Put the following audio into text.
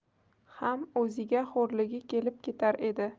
ham o'ziga xo'rligi kelib ketar edi